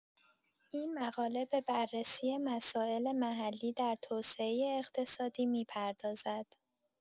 این مقاله به بررسی مسائل محلی در توسعه اقتصادی می‌پردازد.